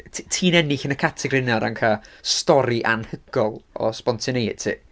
t- ti'n ennill yn y categori yna o ran cael stori anhygoel o spontaneity.